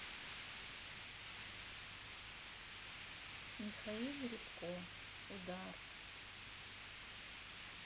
михаил рябко удар